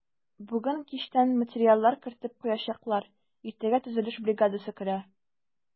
Бүген кичтән материаллар кертеп куячаклар, иртәгә төзелеш бригадасы керә.